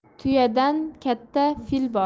tuyadan katta fil bor